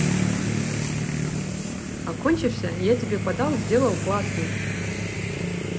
а кончишься я тебе подал сделал классный